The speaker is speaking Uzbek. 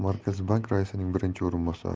bank raisining birinchi o'rinbosari